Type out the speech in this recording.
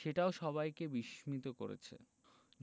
সেটাও সবাইকে বিস্মিত করেছে